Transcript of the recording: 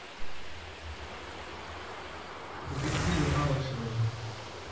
детективы малышевой